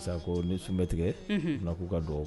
Sa ni su bɛ tigɛ f k'u ka dɔn